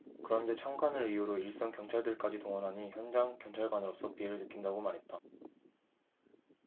그런데 참관을 이유로 일선 경찰들까지 동원하니 현장 경찰관으로서 비애를 느낀다고 말했다